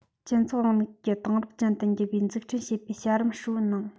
སྤྱི ཚོགས རིང ལུགས ཀྱི དེང རབས ཅན དུ འགྱུར བའི འཛུགས སྐྲུན བྱེད པའི བྱ རིམ ཧྲིལ པོའི ནང